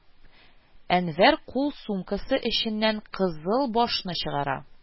Әнвәр кул сумкасы эченнән «кызыл баш»-ны чыгара